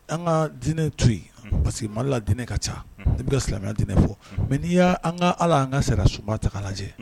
An ka diinɛ to yen parceriseke que mali la diinɛ ne ka ca ne bɛ ka silamɛya diinɛ fɔ mɛ n'i y' an ka ala an ka sara sunba ta lajɛ